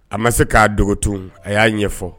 A ma se k'a dogo a y'a ɲɛ ɲɛfɔ